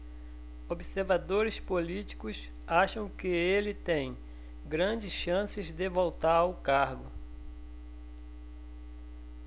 observadores políticos acham que ele tem grandes chances de voltar ao cargo